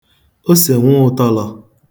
osè nwụụ̄tọ̄lọ̄